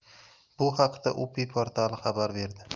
bu haqda upi portali xabar berdi